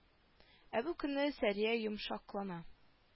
Ә бу көнне сәрия йомшаклана